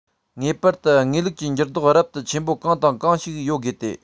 ངེས པར དུ དངོས ལུགས ཀྱི འགྱུར ལྡོག རབ ཏུ ཆེན པོ གང དང གང ཞིག ཡོད དགོས ཏེ